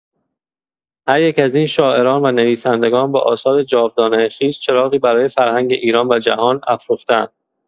هر یک از این شاعران و نویسندگان با آثار جاودانه خویش چراغی برای فرهنگ ایران و جهان افروخته‌اند.